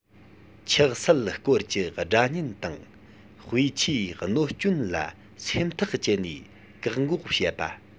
ཆགས སྲེད སྐོར གྱི སྒྲ བརྙན དང དཔེ ཆའི གནོད སྐྱོན ལ སེམས ཐག བཅད ནས བཀག འགོག བྱེད པ